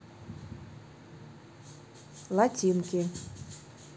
латинки